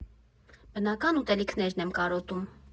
Բնական ուտելիքներն եմ կարոտում.